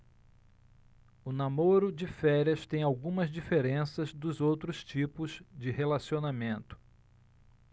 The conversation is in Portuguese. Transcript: o namoro de férias tem algumas diferenças dos outros tipos de relacionamento